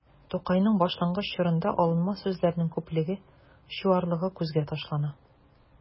Тукайның башлангыч чорында алынма сүзләрнең күплеге, чуарлыгы күзгә ташлана.